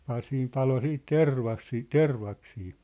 ja siinä paloi sitten tervaisia tervaksia